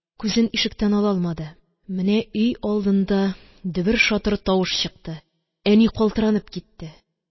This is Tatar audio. Күзен ишектән ала алмады. Менә өйалдында дөбер-шатыр тавыш чыкты. Әни калтыранып китте.